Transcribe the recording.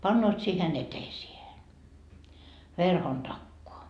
panevat siihen eteiseen verhon takaa